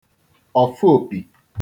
òfụopì